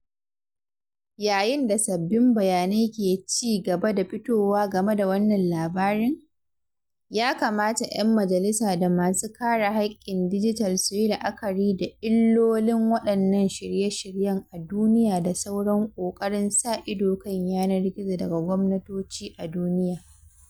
Yayin da sabbin bayanai ke ci gaba da fitowa game da wannan labarin, ya kamata ‘yan majalisa da masu kare haƙƙin dijital su yi la’akari da illolin waɗannan shirye-shiryen a duniya da sauran ƙoƙarin sa ido kan yanar gizo daga gwamnatoci a duniya.